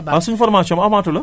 waaw sunu formation bi amaatul a